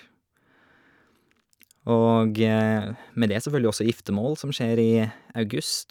Og med det så følger jo også giftemål som skjer i august.